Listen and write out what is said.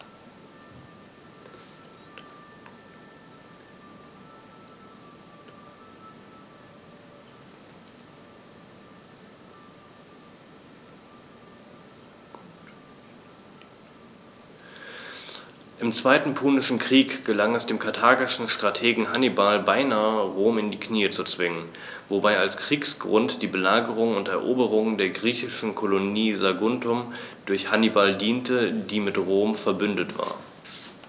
Im Zweiten Punischen Krieg gelang es dem karthagischen Strategen Hannibal beinahe, Rom in die Knie zu zwingen, wobei als Kriegsgrund die Belagerung und Eroberung der griechischen Kolonie Saguntum durch Hannibal diente, die mit Rom „verbündet“ war.